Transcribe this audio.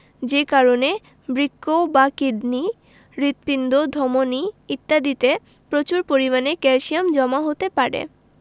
যে কারণে বৃক্ক বা কিডনি হৃৎপিণ্ড ধমনি ইত্যাদিতে প্রচুর পরিমাণে ক্যালসিয়াম জমা হতে পারে